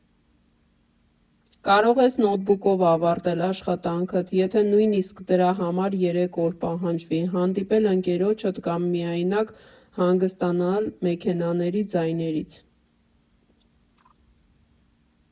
Կարող ես նոթբուքով ավարտել աշխատանքդ, եթե նույնիսկ դրա համար երեք օր պահանջվի, հանդիպել ընկերոջդ կամ միայնակ հանգստանալ մեքենաների ձայներից։